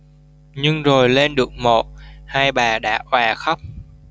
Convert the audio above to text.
nhưng rồi lên được mộ hai bà đã òa khóc